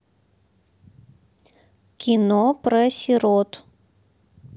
кино про сирот